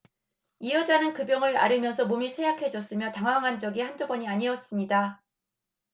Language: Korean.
이 여자는 그 병을 앓으면서 몸이 쇠약해졌으며 당황한 적이 한두 번이 아니었습니다